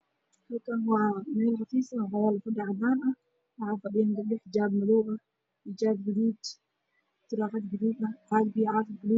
Halkaan waa meel fariisi ah waxaa fadhiyaan gabdho hijaab madaw ah hijaab guduud saraqad guduud caag biyo caafi